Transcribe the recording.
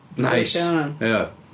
Nice